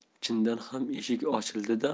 chindan ham eshik ochildi da